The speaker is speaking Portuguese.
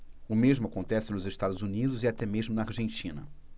o mesmo acontece nos estados unidos e até mesmo na argentina